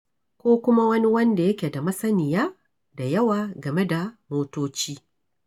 Ko kuma wani wanda yake da masaniya da yawa game da motoci.